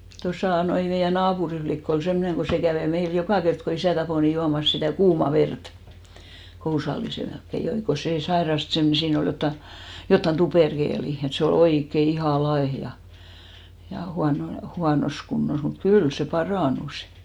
tuossa noin meidän naapurin likka oli semmoinen kun se kävi meillä joka kerta kun isä tappoi niin juomassa sitä kuumaa verta kousallisen melkein joi kun se sairasti - siinä oli jotakin jotakin tuperkelia että se oli oikein ihan laiha ja - huonossa kunnossa mutta kyllä se parantui